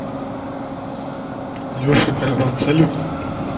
леша караван салют